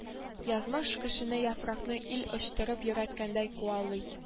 Язмыш кешене яфракны ил очтырып йөрткәндәй куалый